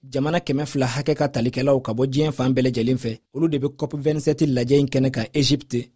jamana kɛmɛ fila hakɛ ka talikɛlaw ka bɔ diɲɛ fan bɛɛ lajɛlen fɛ olu de bɛ cop27 lajɛ in kɛnɛ kan egypte